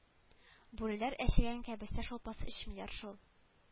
Бүреләр әчегән кәбестә шулпасы эчмиләр шул